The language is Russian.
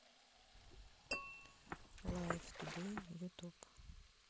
лайф тудей ютуб